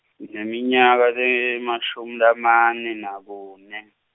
ngineminyaka lengemashumi lamane nakunye.